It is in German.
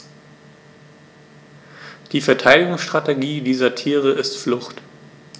Die Verteidigungsstrategie dieser Tiere ist Flucht.